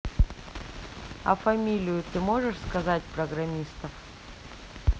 а фамилию ты можешь сказать программистов